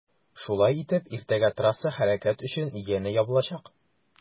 Шулай итеп иртәгә трасса хәрәкәт өчен янә ябылачак.